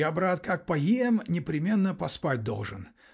Я, брат, как поем, непременно поспать должен.